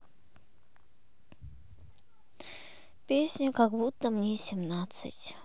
песня как будто мне семнадцать